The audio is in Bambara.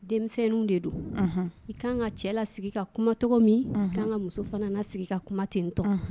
Denmisɛnninw de don, unhun, i kan ka cɛ la sigi ka kumacogo min, unhun, k'an ka muso fana sigi ka kuma ten tɔ, unhun